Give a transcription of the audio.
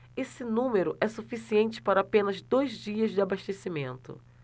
esse número é suficiente para apenas dois dias de abastecimento